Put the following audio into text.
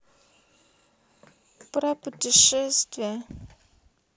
про путешествия